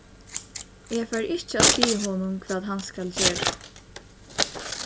eg fari ikki at siga honum hvat hann skal gera